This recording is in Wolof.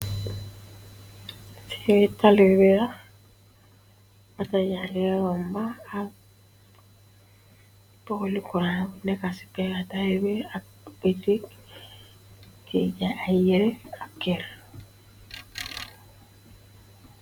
Fii tali bii la, oohtoh yangeh romba ak pohli kurang neka cii pehgah tali bii, ak boutique yii jaii aiiy yehreh ak kerr.